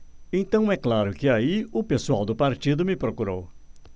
então é claro que aí o pessoal do partido me procurou